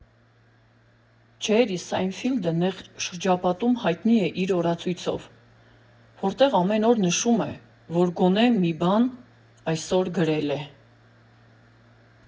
Ջերրի Սայնֆիլդը նեղ շրջապատում հայտնի է իր օրացույցով, որտեղ ամեն օր նշում է, որ գոնե մի բան այսօր գրել է։